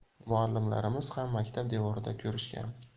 muallimlarimiz ham maktab devorida ko'rishgan